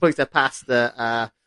...bwyta pasta a